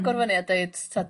...agor fyny a deud t'od